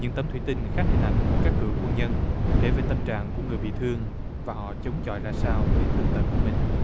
những tấm thủy tinh khác hình ảnh của các cựu quân nhân kể về tâm trạng của người bị thương và họ chống chọi ra sao với thương tật của mình